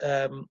yym